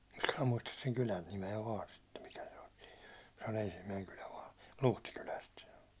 minä muista sen kylän nimeä vain sitten mikä se oli siinä se on ensimmäinen kylä vain Luhtikylästä se on